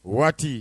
Waati